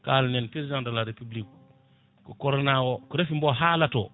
kalanen président de la république ko Corona ko raafi mbo haalata o